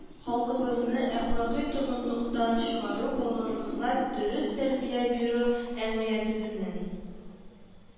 Халкыбызны әхлакый торгынлыктан чыгару, балаларыбызга дөрес тәрбия бирү, әмгыятебезнең